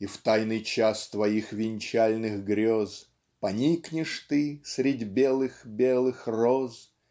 И в тайный час твоих венчальных грез Поникнешь ты средь белых-белых роз.